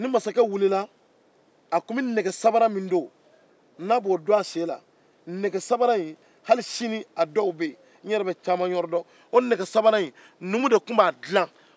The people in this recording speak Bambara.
masakɛ bɛ nɛgɛsabara min don a sen na numu de tun b'a dila